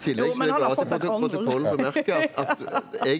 jo men han har fått .